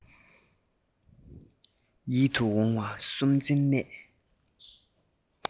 ཡིད དུ འོང བ སུམ རྩེན གནས